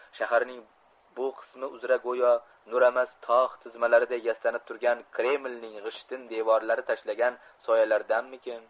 shaharning bu qismi uzra go'yo nuramas tog' tizmalariday yastanib turgan kremlning g'ishtin devorlari tashlagan soyalardanmikin